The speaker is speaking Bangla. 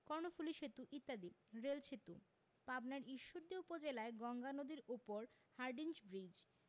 কর্ণফুলি সেতু ইত্যাদি রেল সেতুঃ পাবনার ঈশ্বরদী উপজেলায় গঙ্গা নদীর উপর হার্ডিঞ্জ ব্রিজ